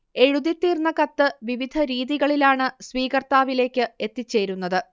എഴുതിത്തീർന്ന കത്ത് വിവിധ രീതികളിലാണ് സ്വീകർത്താവിലേക്ക് എത്തിച്ചേരുന്നത്